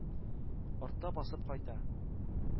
Артта басып кайта.